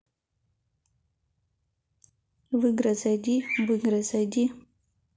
в игры зайди в игры зайди